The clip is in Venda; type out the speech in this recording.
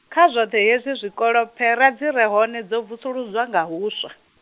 kha zwoṱhe hezwi zwikolo phera dzi re hone dzo vusuludzwa nga husaw.